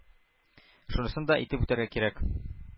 Шунысын да әйтеп үтәргә кирәк: